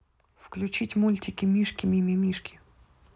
включить мультики мишки мимимишки